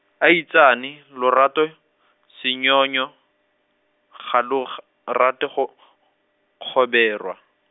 aitsane lorato, senyonyo, ga lo g- rate go , kgoberwa.